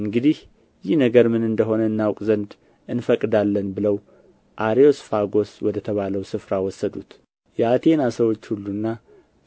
እንግዲህ ይህ ነገር ምን እንደሆነ እናውቅ ዘንድ እንፈቅዳለን ብለው አርዮስፋጎስ ወደ ተባለው ስፍራ ወሰዱት የአቴና ሰዎች ሁሉና